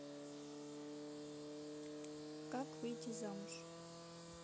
как выйти замуж